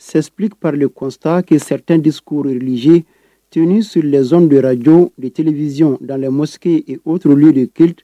Sɛspkip de kɔsta kɛ t2soy ze nturrezon deraj de terielibiisiy dalenɛlɛmosi ourli de kiiriri